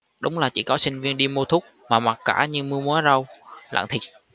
đúng là chỉ có sinh viên đi mua thuốc mà mặc cả như mua mớ rau lạng thịt